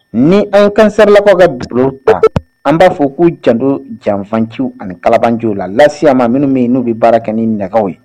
Ni aw ye kansɛrilakaw taa an b'a fɔ ko janto janfanci ani kalabanciw la sinyamaa minnu bɛ yen n'u bɛ baara kɛ ni nɛgɛw ye.